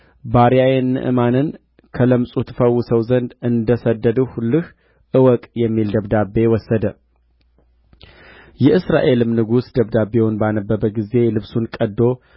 ለእስራኤል ንጉሥ ደብዳቤ እልካለሁ አለው እርሱም ሄደ አሥርም መክሊት ብር ስድስት ሺህም ወርቅ አሥርም መለውጫ ልብስ በእጁ ወሰደ ለእስራኤልም ንጉሥ ይህች ደብዳቤ ወደ አንተ ስትደርስ